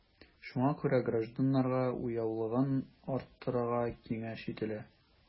Шуңа күрә гражданнарга уяулыгын арттырыга киңәш ителә.